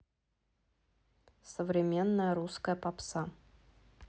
современная русская попса